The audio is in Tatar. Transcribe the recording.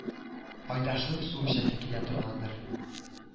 Айдашның су эчәсе килә торгандыр